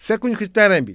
fekkuñ ci terrain bi